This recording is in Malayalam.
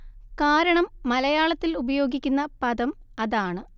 കാരണം മലയാളത്തിൽ ഉപയോഗിക്കുന്ന പദം അതാണ്